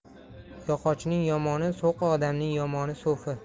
yog'ochning yomoni so'qi odamning yomoni so'fi